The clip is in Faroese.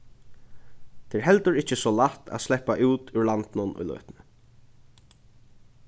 tað er heldur ikki so lætt at sleppa út úr landinum í løtuni